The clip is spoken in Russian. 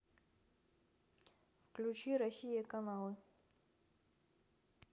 включи россия каналы